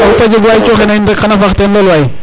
A xupa jeg waay cooxeena in rek xan a faax teen lool way .